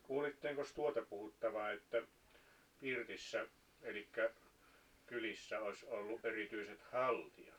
kuulittekos tuota puhuttavan että pirtissä eli kylissä olisi ollut erityiset haltiat